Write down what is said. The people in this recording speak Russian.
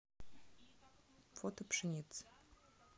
фото пшеницы